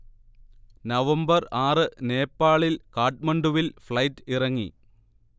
November ആറ് നേപ്പാളിൽ കാഠ്മണ്ഡുവിൽ ഫ്ളൈറ്റ് ഇറങ്ങി